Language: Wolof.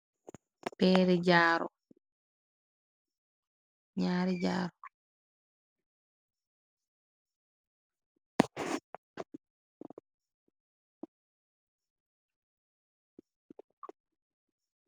peri jaruñaari jaaro .